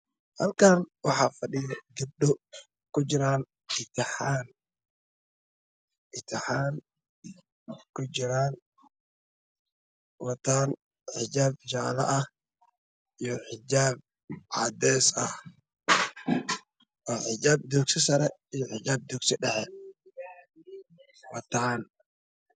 Halkaan waxaa fadhiyo gabdho imtixaan ku jiran waxay wataan xijaan jaalo ah iyo xijaab cadeeys ah waa xijaab dugsi sare ah iyo dugsi dhaxe qatan